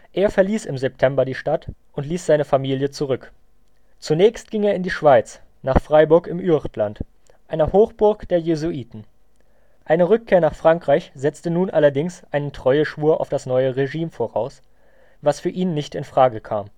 Er verließ im September die Stadt und ließ seine Familie zurück. Zunächst ging er in die Schweiz, nach Freiburg im Üechtland, einer Hochburg der Jesuiten. Eine Rückkehr nach Frankreich setzte nun allerdings einen Treueschwur auf das neue Regime voraus, was für ihn nicht in Frage kam